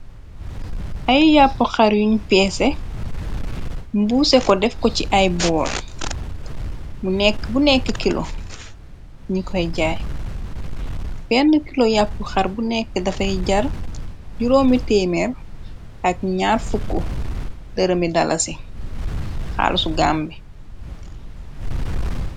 Ay yàpp xar yuñ peese mbuuse ko def ko ci ay bor mu nekk bu nekk kilo ni koy jaay penn kilo yàpp xar bu nekk dafay jar juróomi témer ak 2aar f0 dërami dala si xaalusu gàmbe.